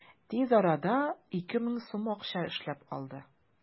Тиз арада 2000 сум акча эшләп алды.